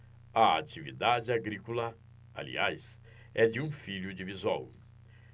a atividade agrícola aliás é de um filho de bisol